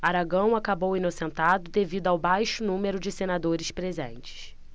aragão acabou inocentado devido ao baixo número de senadores presentes